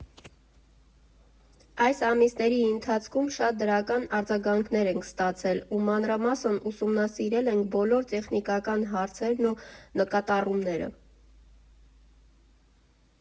Այս ամիսների ընթացքում շատ դրական արձագանքներ ենք ստացել և մանրամասն ուսումնասիրել ենք բոլոր տեխնիկական հարցերն ու նկատառումները։